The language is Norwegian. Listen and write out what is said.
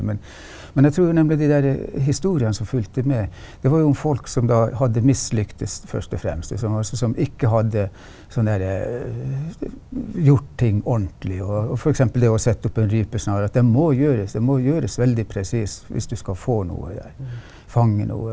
men men jeg tror nemlig de derre historiene som fulgte med det var jo om folk som da hadde mislyktes først og fremst og som altså som ikke hadde sånn derre gjort ting ordentlig og f.eks. det å sette opp en rypesnare at det må gjøres det må gjøres veldig presist hvis du skal få noe i den fange noe.